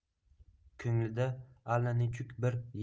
ko'nglida allanechuk bir